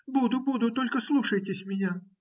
- Буду, буду, только слушайтесь меня.